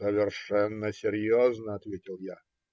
- Совершенно серьезно, - ответил я.